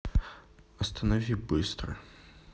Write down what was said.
останови быстро